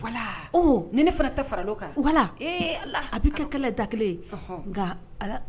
Ni ne fana fara kan wala a bɛ kɛ da kelen ye nka